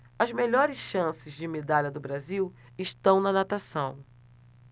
as melhores chances de medalha do brasil estão na natação